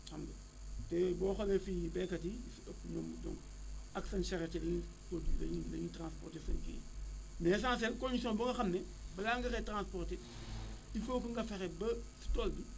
xam nga te boo xoolee fii béykat yi li ci ëpp ñoom ñoom ak seen charette la ñuy produi la ñuy transporté seen kii yi mais l' essentiel condition nga xam ne balaa nga koy transporté il faut que nga fexe ba sa tool bi